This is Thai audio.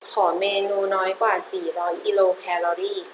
ขอเมนูน้อยกว่าสี่ร้อยกิโลแคลอรี่